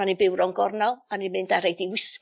...o'n i'n byw rownd gornel, o'n i'n mynd ar roid 'i wisgi